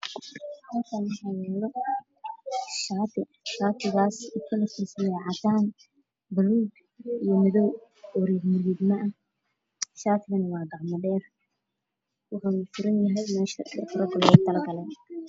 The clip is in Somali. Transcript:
Halkaan waxaa yaalo shaati cadaan, buluug iyo madow ah, shaatigu waa gacmo dheer waxuu suran yahay meesha dharka raga lugu talagay.